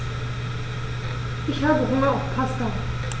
Ich habe Hunger auf Pasta.